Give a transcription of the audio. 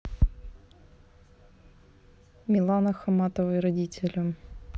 милана хаматовой родителя